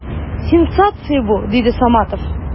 Сенсация бу! - диде Саматов.